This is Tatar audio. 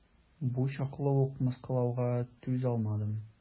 Бу чаклы ук мыскыллауга түзалмадым.